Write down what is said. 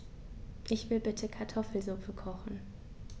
Ich will bitte Kartoffelsuppe kochen.